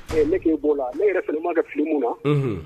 Ne kɛni b'o la, ne yɛrɛ kɛni ma kɛ fili min na